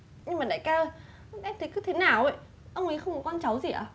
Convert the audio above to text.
nhưng mà đại ca ơi em thấy cứ thế nào ấy ông ấy không có con cháu gì ạ